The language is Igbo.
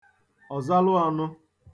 ọ̀zalụọ̄nụ̄